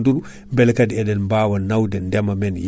kono non dernier virage ko nden ndiyam ɗam udditi